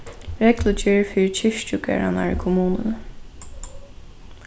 reglugerð fyri kirkjugarðarnar í kommununi